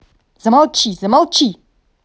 замолчи замолчи